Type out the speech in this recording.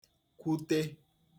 kwute